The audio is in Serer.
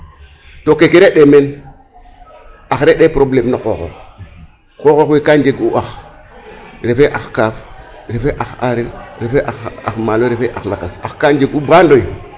To ke ke re'ee meen, ax re'ee probléme no qooxoox xooxoox we gaa njeg'u ax refee ax kaaf refee ax aareer refee ax mana refa ax lakas ax ga njeg'u mbaa ndoyee.